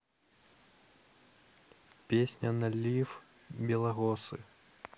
песня налив белоросы